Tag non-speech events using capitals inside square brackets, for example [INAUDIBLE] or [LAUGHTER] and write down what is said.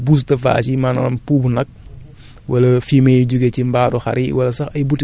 bu dee matière organique d' origine animal bi nag [HESITATION] bouse de vache yi maanaam puubu nag